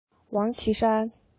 ཝང ཆི ཧྲན